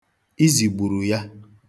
Izi gburu ya.